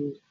qaxo